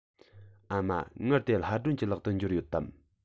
ཨ མ དངུལ དེ ལྷ སྒྲོན གྱི ལག ཏུ འབྱོར ཡོད དམ